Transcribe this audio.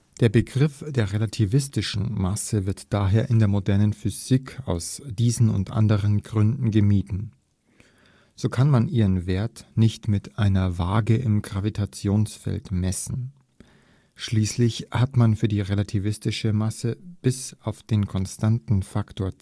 Der Begriff der relativistischen Masse wird daher in der modernen Physik aus diesen und anderen Gründen gemieden. So kann man ihren Wert nicht mit einer Waage im Gravitationsfeld messen. Schließlich hat man für die relativistische Masse bis auf den konstanten Faktor